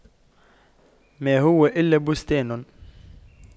ما هو إلا بستان